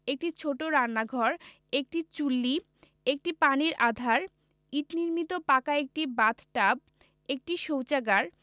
একটি ছোট রান্নাঘর একটি চুল্লী একটি পানির আধার ইট নির্মিত পাকা একটি বাথ টাব একটি শৌচাগার